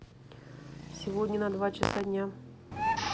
сегодня на два часа дня